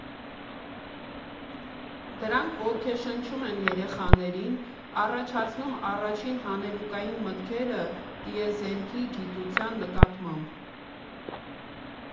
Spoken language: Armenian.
Դրանք ոգեշնչում են երեխաներին, առաջացնում առաջին հանելուկային մտքերը տիեզերքի, գիտության նկատմամբ։